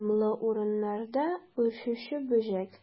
Дымлы урыннарда үрчүче бөҗәк.